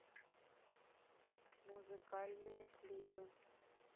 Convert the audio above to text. музыкальные клипы